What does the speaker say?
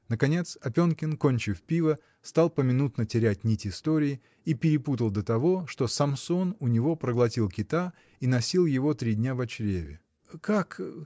Наконец Опенкин, кончив пиво, стал поминутно терять нить истории и перепутал до того, что Самсон у него проглотил кита и носил его три дня во чреве. — Как.